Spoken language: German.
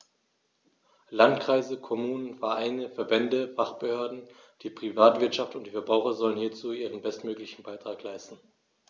Landkreise, Kommunen, Vereine, Verbände, Fachbehörden, die Privatwirtschaft und die Verbraucher sollen hierzu ihren bestmöglichen Beitrag leisten.